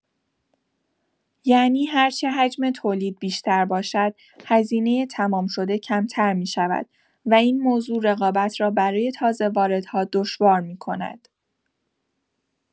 یعنی هرچه حجم تولید بیشتر باشد، هزینه تمام‌شده کمتر می‌شود و این موضوع رقابت را برای تازه‌واردها دشوار می‌کند.